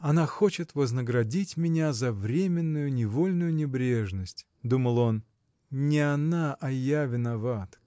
она хочет вознаградить меня за временную невольную небрежность – думал он – не она а я виноват